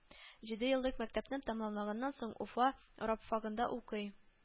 Җидееллык мәктәпне тәмамлаганнан соң, Уфа рабфагында укый